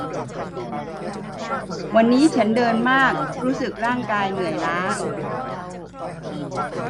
วันนี้ฉันเดินมากรู้สึกร่างกายเหนื่อยล้า